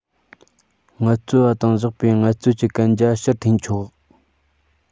ངལ རྩོལ པ དང བཞག པའི ངལ རྩོལ གྱི གན རྒྱ ཕྱིར འཐེན བྱས ཆོག